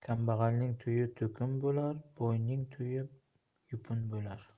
kambag'alning to'yi to'kin bo'lar boyning to'yi yupun bo'lar